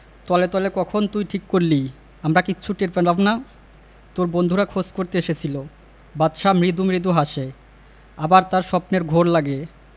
তলে তলে কখন তুই ঠিক করলি আমরা কিচ্ছু টের পেলাম না তোর বন্ধুরা খোঁজ করতে এসেছিলো বাদশা মৃদু মৃদু হাসে আবার তার স্বপ্নের ঘোর লাগে